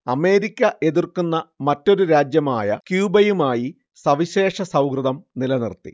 America എതിർക്കുന്ന മറ്റൊരു രാജ്യമായ ക്യൂബയുമായി സവിശേഷ സൗഹൃദം നിലനിർത്തി